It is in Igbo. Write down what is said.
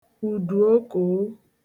ùdùokòo